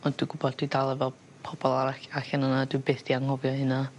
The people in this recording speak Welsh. ond dwi gwbod dwi dal efo pobol arall allan yna dwi byth 'di anghofio hyna.